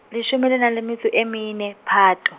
leshome le nang leng metso e mene, Phato.